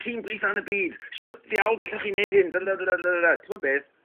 tîm gwitha yn y byd shwt ddiawl gallwch chi neud hyn? dydldydldydldydldy t'mod beth